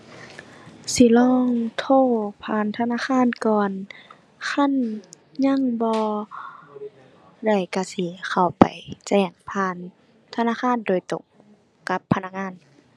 สิลองโทรผ่านธนาคารก่อน คันยังบ่ได้ก็สิเข้าไปแจ้งผ่านธนาคารโดยตรงกับพนักงาน